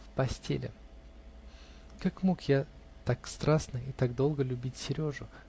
В ПОСТЕЛИ "Как мог я так страстно и так долго любить Сережу?